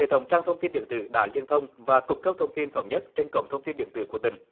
hệ thống trang thông tin điện tử đã truyền thông và cung cấp thông tin thống nhất trên cổng thông tin điện tử của tỉnh